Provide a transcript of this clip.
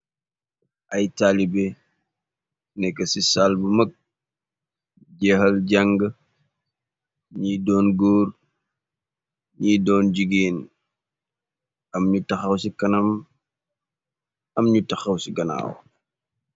Ay taalibe nekk ci sàll bu mag jeexal jang ñiy doon góor ñiy doon jigeen. Am ñu taxaw ci ganaaw.